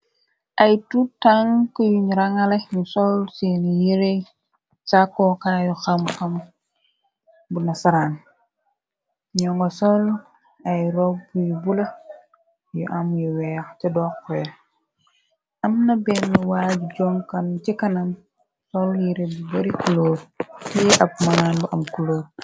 ay tuu tank yuñ rangale ñu sollu seeni yerey càkko karayu xam xam bu na saraan ñoo ngo soll ay rog buyu bula yu am yu weex ca doxxeer amna benn waa ju joŋkan ci kanam sol yere bu bari kuloor tee ab mënaan bu am kulóor